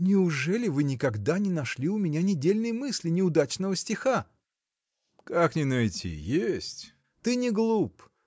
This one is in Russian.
– Неужели вы никогда не нашли у меня ни дельной мысли ни удачного стиха? – Как не найти! есть. Ты не глуп